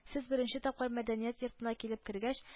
—сез беренче тапкыр мәдәният йортына килеп кергәч